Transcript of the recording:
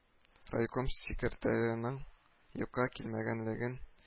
Райком секретареның юкка килмәгәнлеген